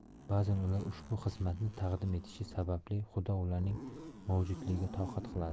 ba'zan ular ushbu xizmatni taqdim etishi sababli xudo ularning mavjudligiga toqat qiladi